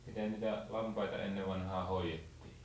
miten niitä lampaita ennen vanhaan hoidettiin